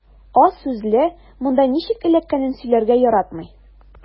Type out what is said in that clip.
Аз сүзле, монда ничек эләккәнен сөйләргә яратмый.